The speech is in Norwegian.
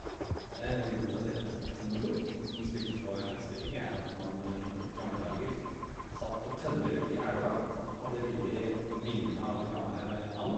Grunnen til at det heter polo, som spiller på hesterygg, er at man i gamledager sp satt på tønner ute i elva og hadde rivi a vingene av ei gamma eve and.